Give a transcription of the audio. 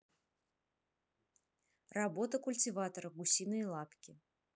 работа культиватора гусиные лапки